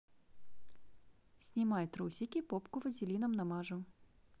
снимай трусики попку вазелином намажу